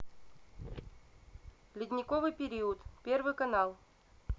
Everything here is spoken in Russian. ледниковый период первый канал